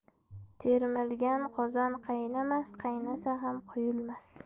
termilgan qozon qaynamas qaynasa ham quyilmas